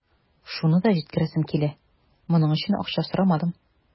Шуны да җиткерәсем килә: моның өчен акча сорамадым.